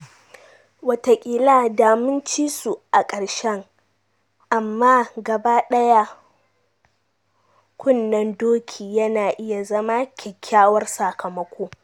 Wataƙila da mun ci su a ƙarshen amma, gaba ɗaya, kunnen dokin yana iya zama kyakkyawar sakamako.